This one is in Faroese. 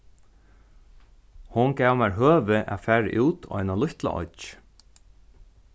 hon gav mær høvi at fara út á eina lítla oyggj